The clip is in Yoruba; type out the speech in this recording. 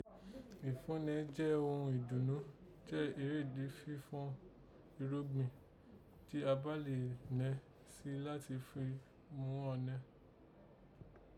Ìfúnẹ je ghún idunu je èrèdí fífọ́n irúgbìn, jí a bá lè nẹ́ sì láti mú un nẹ́